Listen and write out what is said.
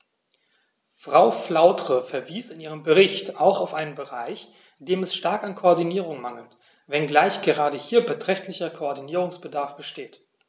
Frau Flautre verwies in ihrem Bericht auch auf einen Bereich, dem es stark an Koordinierung mangelt, wenngleich gerade hier beträchtlicher Koordinierungsbedarf besteht.